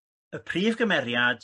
y prif gymeriad